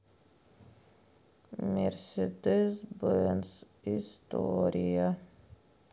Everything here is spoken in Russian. мерседес бенц история